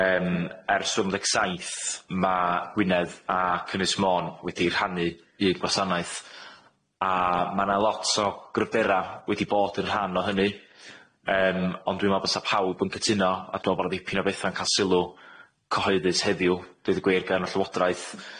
Yym ers dwy fil un deg saith ma' Gwynedd ac Ynys Môn wedi rhannu un gwasanaeth a ma' 'na lot o gryfdera wedi bod yn rhan o hynny yym ond dwi me'wl fysa pawb yn cytuno a dw' 'el bo 'na dipyn o betha'n ca'l sylw cyhoeddus heddiw deud y gwir gan y llywodraeth.